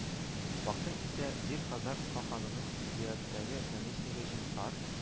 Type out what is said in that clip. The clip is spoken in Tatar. Бактың исә, Дир хазар каханының Киевтәге наместнигы Җимсар